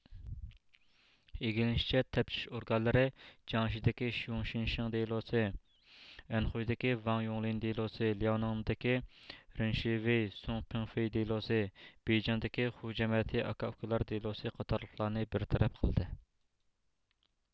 ئىگىلىنىشىچە تەپتىش ئورگانلىرى جياڭشىدىكى شيۇڭ شىنشىڭ دېلوسى ئەنخۇيدىكى ۋاڭ يۇڭلىن دېلوسى لياۋنىڭدىكى رېن شىۋېي سۇڭ پېڭفېي دېلوسى بېيجىڭدىكى خۇ جەمەتى ئاكا ئۇكىلار دېلوسى قاتارلىقلارنى بىرتەرەپ قىلدى